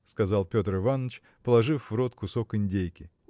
– сказал Петр Иваныч, положив в рот кусок индейки.